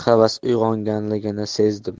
havas uyg'onganligini sezdim